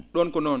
?oon ko noon